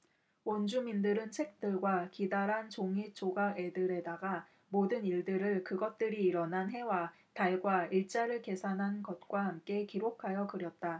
원주민들은 책들과 기다란 종잇조각들에다가 모든 일들을 그것들이 일어난 해와 달과 일자를 계산한 것과 함께 기록하여 그렸다